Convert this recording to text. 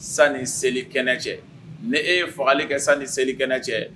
Sanii seli kɛnɛ cɛ ne e ye fagali kɛ sani selikɛnɛ cɛ